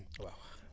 waaw